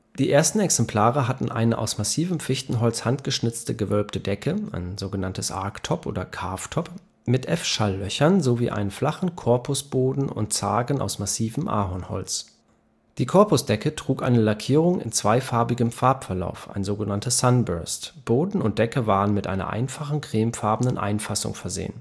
Die ersten Exemplare hatten eine aus massivem Fichtenholz handgeschnitzte gewölbte Decke (Archtop oder Carved Top) mit F-Schalllöchern sowie einen flachen Korpusboden und Zargen aus massivem Ahornholz. Die Korpusdecke trug eine Lackierung in zweifarbigem Farbverlauf (Sunburst); Boden und Decke waren mit einer einfachen cremefarbenen Einfassung (Binding) versehen